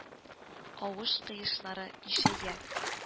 Авыш-кыешлары ишәя